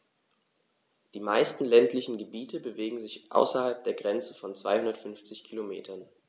Die meisten ländlichen Gebiete bewegen sich außerhalb der Grenze von 250 Kilometern.